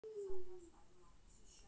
чего хочет девушка